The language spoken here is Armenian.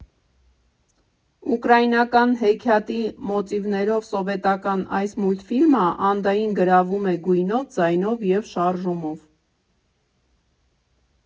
Ուկրաինական հեքիաթի մոտիվներով սովետական այս մուլտֆիլմը Անդային գրավում է գույնով, ձայնով և շարժումով։